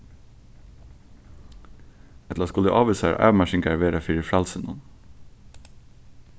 ella skulu ávísar avmarkingar vera fyri frælsinum